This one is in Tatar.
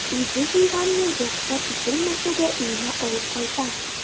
Үзе җыйганны рөхсәт ителмәсә дә өенә алып кайта.